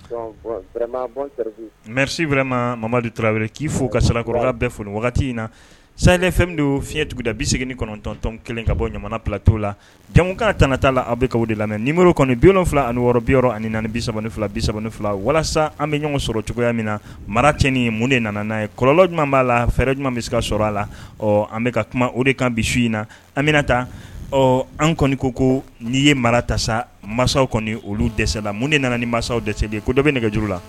Si wɛrɛma mamamadu tarawele k'i fo ka sarakakɔrɔ bɛɛ bolo wagati in na sa fɛn min don fiɲɛtigida bise kɔnɔntɔntɔn kelen ka bɔ jamana patɔ la jamukan t t'a la aw bɛ ka de la ninmo kɔni binfila ani wɔɔrɔ bi ani bisa ni fila bisani fila walasa an bɛ ɲɔgɔn sɔrɔ cogoya min na mara cɛin mun de nana n'a ye kɔlɔlɔnlɔ jumɛnuma b'a la fɛɛrɛ ɲuman bɛ se sɔrɔ a la ɔ an bɛka ka kuma o de kan bi su in na an bɛna taa ɔ an kɔni ko ko ni ye mara tasa masaw kɔni olu dɛsɛ la mun de nana ni mansaw de dɛsɛse de ye ko dɔ bɛ nɛgɛ juru la